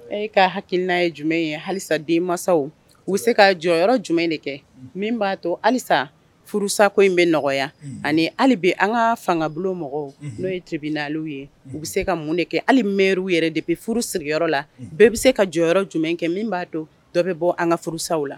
E ka hakili n'a ye jumɛn ye halisa den masasaw u bɛ se ka jɔyɔrɔ yɔrɔ jumɛn de kɛ min b'a to halisa furusako in bɛ nɔgɔya ani bɛ an ka fangabu mɔgɔw n'o tilebi na ye u bɛ se ka mun de kɛ hali mi yɛrɛ de bɛ furu la bɛɛ bɛ se ka jɔyɔrɔ jumɛn kɛ min b'a dɔn dɔ bɛ bɔ an ka furusaw la